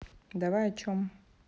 давай о чем